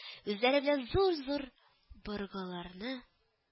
Үзләре белән зур-зур быргыларны